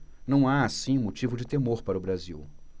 não há assim motivo de temor para o brasil